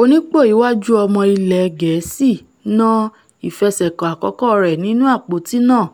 Onípò-iwájú ọmọ ilẹ̀ Gẹ̀ẹ́sì náà ìfẹsẹ̀kàn àkọ́kọ́ rẹ̀ nínú apoti náà